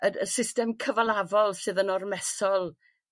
y d- y system cyfalafol sydd yn ormesol